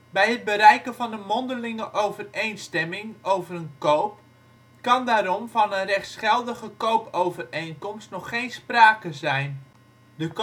Bij het bereiken van een mondelinge overeenstemming over een koop, kan daarom van een rechtsgeldige koopovereenkomst nog geen sprake zijn. De kopende